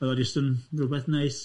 Oedd o jyst yn rywbeth neis.